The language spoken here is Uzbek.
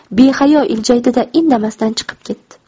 behayo iljaydi da indamasdan chiqib ketdi